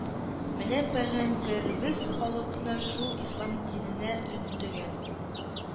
Менә Пәйгамбәребез халыкны шул Ислам диненә өндәгән